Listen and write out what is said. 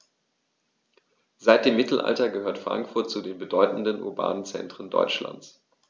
Seit dem Mittelalter gehört Frankfurt zu den bedeutenden urbanen Zentren Deutschlands.